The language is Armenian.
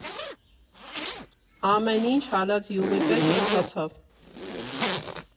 Ամեն ինչ հալած յուղի պես ընթացավ.